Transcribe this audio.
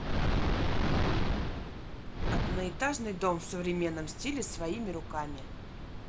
одноэтажный дом в современном стиле своими руками